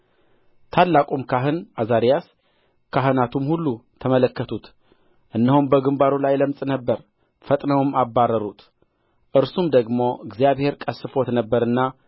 ታላቁም ካህን ዓዛርያስ ካህናቱም ሁሉ ተመለከቱት እነሆም በግምባሩ ላይ ለምጽ ነበረ ፈጥነውም አባርረሩት እርሱም ደግሞ እግዚአብሔር ቀሥፎት ነበርና